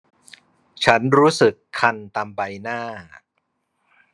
ฉันรู้สึกคันตามใบหน้า